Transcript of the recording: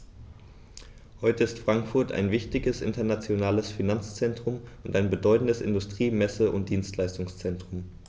Heute ist Frankfurt ein wichtiges, internationales Finanzzentrum und ein bedeutendes Industrie-, Messe- und Dienstleistungszentrum.